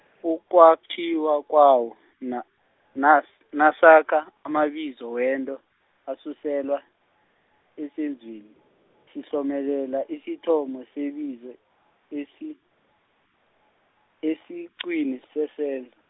ukwakhiwa kwawo, na- nas- nasakha amabizo wento, asuselwa, esenzweni, sihlomelela isithomo sebizo, esi-, esiqwini, sese-.